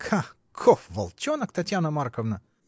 — Каков волчонок, Татьяна Марковна!